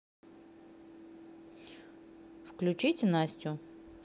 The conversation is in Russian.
включите настю